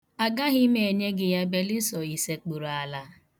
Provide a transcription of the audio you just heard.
Agaghi m enye gị ya belụsọ i sekpuru ala.